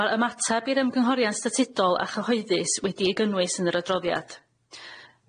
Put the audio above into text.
Ma'r ymateb i'r ymgynghoriad statudol a chyhoeddus wedi'i gynnwys yn yr adroddiad.